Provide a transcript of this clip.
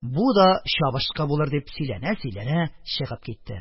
Бу да чабышкы булыр... - дип сөйләнә-сөйләнә чыгып китте.